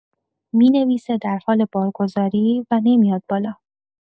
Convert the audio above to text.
می‌نویسه در حال بارگذاری و نمیاد بالا